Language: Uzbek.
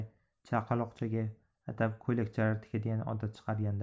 chaqaloqchaga atab ko'ylakchalar tikadigan odat chiqargandi